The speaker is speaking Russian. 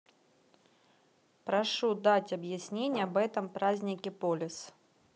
прошу дать объяснение об этом празднике полис